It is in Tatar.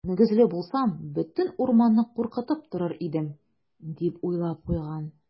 Мөгезле булсам, бөтен урманны куркытып торыр идем, - дип уйлап куйган.